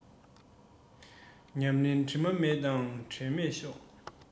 ཉམས ལེན དྲི མ མེད དང འབྲལ མེད ཤོག